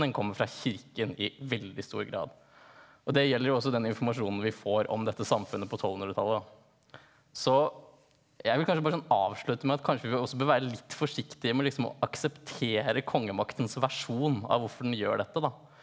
den kommer fra kirken i veldig stor grad, og det gjelder jo også den informasjonen vi får om dette samfunnet på tolvhundretallet da, så jeg vil kanskje bare sånn avslutte med at kanskje vi også bør være litt forsiktige med å liksom å akseptere kongemaktens versjon av hvorfor den gjør dette da.